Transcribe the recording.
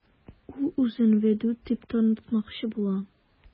Ул үзен Вәдүт дип танытмакчы була.